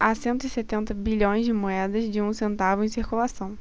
há cento e setenta bilhões de moedas de um centavo em circulação